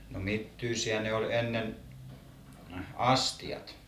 no mittyisiä ne oli ennen astiat